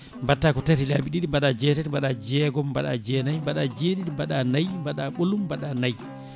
mbatta ko tati laabi ɗiɗi mbaɗa jeetati mbaɗa jeegom mbaɗa jeenayyi mbaɗa jeeɗiɗi mbaɗa naayi mbaɗa ɓolum mbaɗa naayi